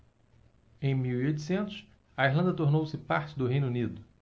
em mil e oitocentos a irlanda tornou-se parte do reino unido